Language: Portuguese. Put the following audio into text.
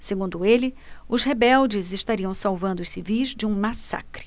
segundo ele os rebeldes estariam salvando os civis de um massacre